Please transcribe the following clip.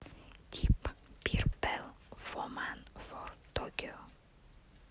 deep purple woman from tokyo